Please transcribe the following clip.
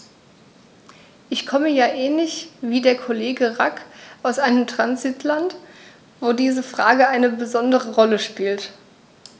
Ich komme ja ähnlich wie der Kollege Rack aus einem Transitland, wo diese Frage eine besondere Rolle spielt.